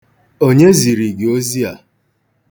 Onye ziri gị ozi a?